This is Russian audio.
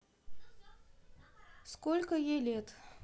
сколько ей лет